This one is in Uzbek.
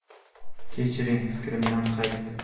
kechiring fikrimdan qaytdim